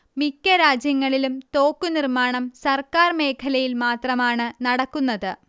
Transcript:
മിക്ക രാജ്യങ്ങളിലും തോക്കുനിർമ്മാണം സർക്കാർ മേഖലയിൽ മാത്രമാണ് നടക്കുന്നത്